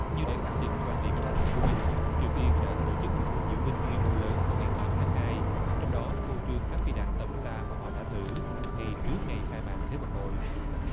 như để khẳng định quan điểm thách thức của mình triều tiên đã tổ chức một cuộc diễu binh quy mô lớn vào ngày tám tháng hai trong đó phô trương các phi đạn tầm xa mà họ đã thử ngay trước ngày khai mạc thế vận hội